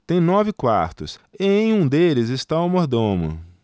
tem nove quartos e em um deles está o mordomo